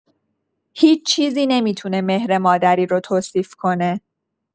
هیچ چیزی نمی‌تونه مهر مادری رو توصیف کنه.